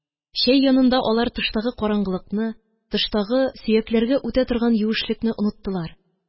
Чәй янында алар тыштагы караңгылыкны, тыштагы сөякләргә үтә торган юешлекне оныттылар.